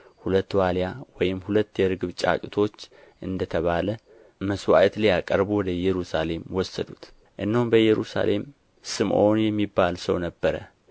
ሁለት ዋሊያ ወይም ሁለት የርግብ ጫጩቶች እንደ ተባለ መሥዋዕት ሊያቀርቡ ወደ ኢየሩሳሌም ወሰዱት እነሆም በኢየሩሳሌም ስምዖን የሚባል ሰው ነበረ